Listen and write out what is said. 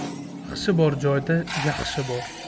baxshi bor joyda yaxshi bor